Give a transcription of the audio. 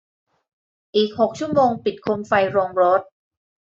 อีกหกชั่วโมงปิดโคมไฟโรงรถ